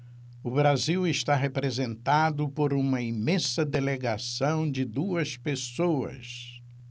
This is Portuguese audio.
o brasil está representado por uma imensa delegação de duas pessoas